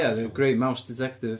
Ia, the great mouse detective.